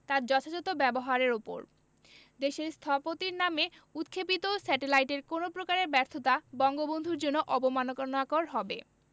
তার যথাযথ ব্যবহারের ওপর দেশের স্থপতির নামে উৎক্ষেপিত স্যাটেলাইটের কোনো প্রকারের ব্যর্থতা বঙ্গবন্ধুর জন্য অবমাননাকর হবে